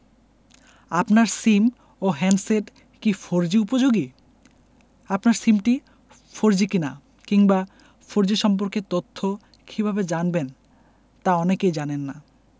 আপনার সিম ও হ্যান্ডসেট কি ফোরজি উপযোগী আপনার সিমটি ফোরজি কিনা কিংবা ফোরজি সম্পর্কে তথ্য কীভাবে জানবেন তা অনেকেই জানেন না